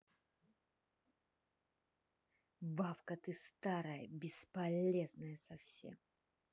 бабка ты старая бесполезная совсем